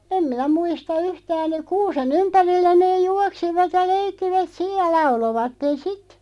en minä muista yhtään kuusen ympärillä ne juoksivat ja leikkivät sitten ja lauloivat sitten